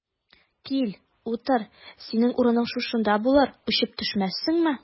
Кил, утыр, синең урының шушында булыр, очып төшмәссеңме?